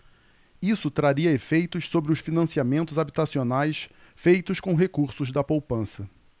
isso traria efeitos sobre os financiamentos habitacionais feitos com recursos da poupança